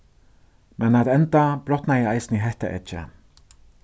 men at enda brotnaði eisini hetta eggið